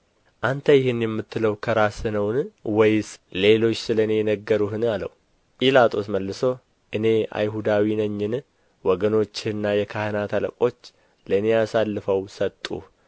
አንተ ይህን የምትለው ከራስህ ነውን ወይስ ሌሎች ስለ እኔ ነገሩህን አለው ጲላጦስ መልሶ እኔ አይሁዳዊ ነኝን ወገኖችህና የካህናት አለቆች ለእኔ አሳልፈው ሰጡህ